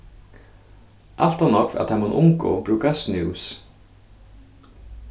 alt ov nógv av teimum ungu brúka snús